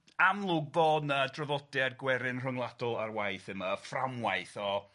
amlwg bod 'na draddodiad gwerin rhwngwladol ar waith yma fframwaith o